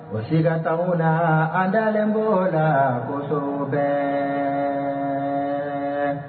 O siga t'anw na, an dalen bɛ o la kosobɛ!